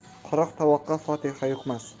quruq tovoqqa fotiha yuqmas